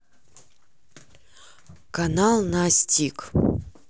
канал настик